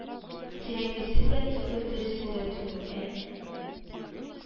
Кирәклесен дә түгел, дөресен дә түгел, ә